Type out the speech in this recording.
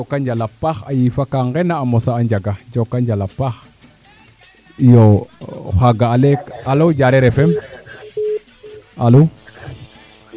joko njala a paax a yiifa ka ngena a mosa a njaga njokonjal a paax iyo o xaaga alo Diareer FM ALO